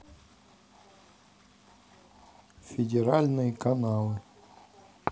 федеральные каналы